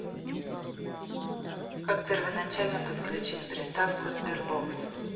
как первоначально подключить приставку sberbox